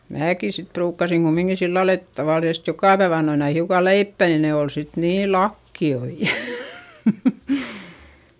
minäkin sitten ruukasin kummikin sillä lailla että tavallisesti joka päivä annoin aina hiukan leipää niin ne oli sitten niin lakioita